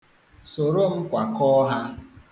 Soro m kwakọọ ha.